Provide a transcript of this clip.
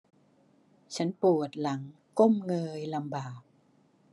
ฉันปวดหลังก้มเงยลำบาก